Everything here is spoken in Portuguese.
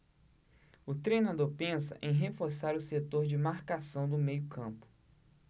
o treinador pensa em reforçar o setor de marcação do meio campo